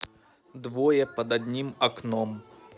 двое под одним окном